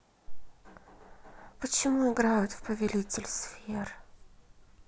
почему играют в повелитель сфер